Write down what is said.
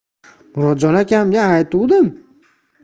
murodjon akamga aytuvdim